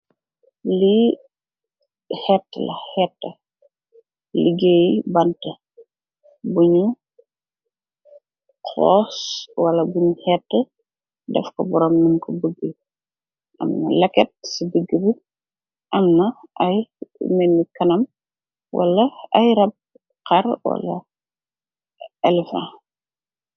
Lee heetee la heetee legai bante bunu kuss wala bunu hetee defku borom num ku buge amna leket se degebe amna lu melne kanam wala aye rabb harr wala elephant.